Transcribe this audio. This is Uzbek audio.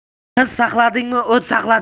qiz saqlading o't saqlading